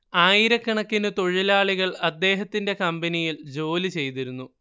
ആയിരക്കണക്കിനു തൊഴിലാളികൾ അദ്ദേഹത്തിന്റെ കമ്പനിയിൽ ജോലി ചെയ്തിരുന്നു